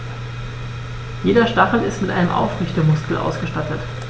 Jeder Stachel ist mit einem Aufrichtemuskel ausgestattet.